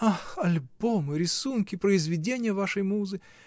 ах, альбомы, рисунки, произведения вашей музы!